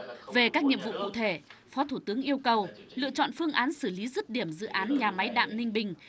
về các nhiệm vụ cụ thể phó thủ tướng yêu cầu lựa chọn phương án xử lý dứt điểm dự án nhà máy đạm ninh bình